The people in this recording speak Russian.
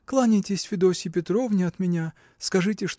Кланяйтесь Федосье Петровне от меня – скажите